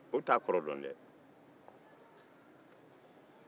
olu t'a kɔrɔ dɔn dɛ